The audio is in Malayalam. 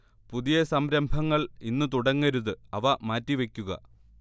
പുതിയ സംരംഭങ്ങൾ ഇന്ന് തുടങ്ങരുത് അവ മാറ്റിവയ്ക്കുക